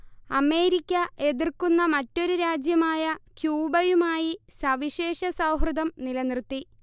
America എതിർക്കുന്ന മറ്റൊരു രാജ്യമായ ക്യൂബയുമായി സവിശേഷ സൗഹൃദം നിലനിർത്തി